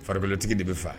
Faratigi de bɛ faa